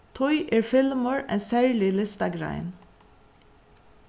tí er filmur ein serlig listagrein